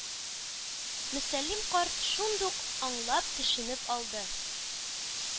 Мөсәллим карт шундук аңлап-төшенеп алды